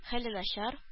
Хәле начар